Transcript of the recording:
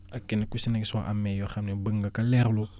fekkee ne ku si nekk soo amee yoo xam ne bëgg nga ko leerlu